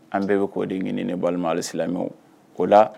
An bɛɛ be k'o de ɲini ne balima alisilamɛw o la